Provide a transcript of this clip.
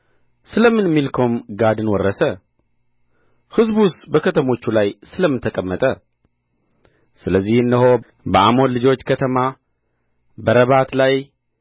ስለ ምን ሚልኮም ጋድን ወረሰ ሕዝቡስ በከተሞቹ ላይ ስለ ምን ተቀመጠ ስለዚህ እነሆ በአሞን ልጆች ከተማ በረባት ላይ